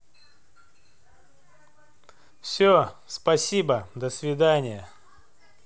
все спасибо до свидания